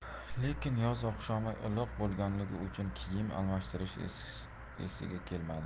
lekin yoz oqshomi iliq bo'lganligi uchun kiyim almashtirish esiga kelmadi